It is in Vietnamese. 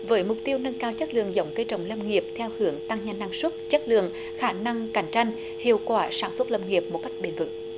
với mục tiêu nâng cao chất lượng giống cây trồng lâm nghiệp theo hướng tăng nhanh năng suất chất lượng khả năng cạnh tranh hiệu quả sản xuất lâm nghiệp một cách bền vững